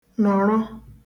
nọ̀rọ